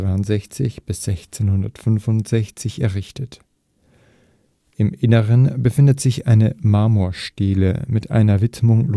1862 – 65 errichtet. Im Innern befindet sich eine Marmorstele mit einer Widmung